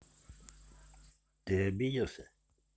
ты обиделся